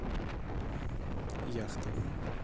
яхта